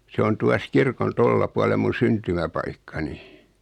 se on tuossa kirkon tuolla puolen minun syntymäpaikkani